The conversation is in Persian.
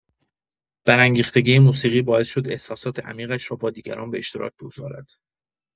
برانگیختگی موسیقی باعث شد احساسات عمیقش را با دیگران به اشتراک بگذارد.